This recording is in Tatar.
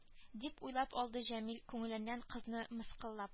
Дип уйлап алды җәмил күңеленнән кызны мыскыллап